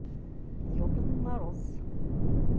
ебаный мороз